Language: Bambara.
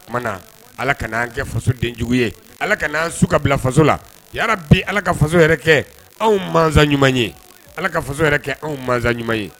Ala ka fasojugu ye ala ka anan su ka bila faso la bi ala ka faso yɛrɛ kɛ anw ɲuman ye ala ka faso yɛrɛ kɛ anw masa ɲuman ye